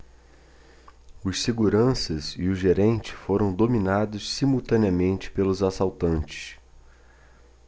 os seguranças e o gerente foram dominados simultaneamente pelos assaltantes